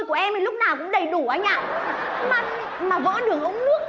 của em lúc nào cũng đầy đủ anh ạ mà mà